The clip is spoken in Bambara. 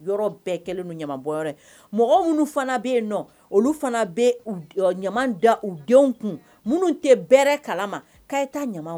Minnu fana bɛ yen olu fana da u denw kun minnu tɛ bɛɛ kalama' taa